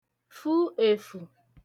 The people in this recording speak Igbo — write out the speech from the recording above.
fu èfù